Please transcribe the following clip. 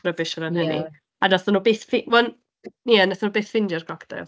rybish o ran hynny... Ie. ...A wnaethon nhw byth ffi-... Wel, ie, wnaethon nhw byth ffeindio'r crocodeil.